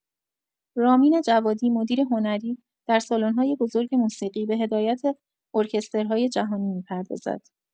رامین جوادی، مدیر هنری، در سالن‌های بزرگ موسیقی به هدایت ارکسترهای جهانی می‌پردازد.